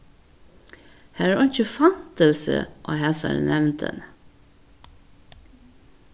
har er einki fantilsi á hasari nevndini